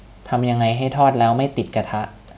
ทำไงให้ทอดแล้วไม่ติดกระทะ